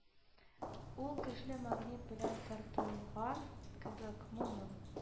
Ул, көчле магнит белән тарттырылган кебек, моның